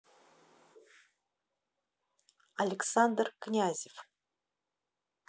александр князев